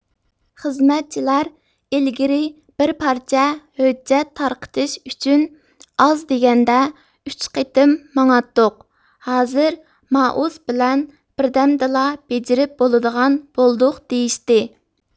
خىزمەتچىلەر ئىلگىرى بىر پارچە ھۆججەت تارقىتىش ئۈچۈن ئاز دېگەندە ئۈچ قېتىم ماڭاتتۇق ھازىر مائۇس بىلەن بىردەمدىلا بېجىرىپ بولىدىغان بولدۇق دېيىشتى